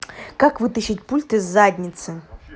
как вытащить пульт из задницы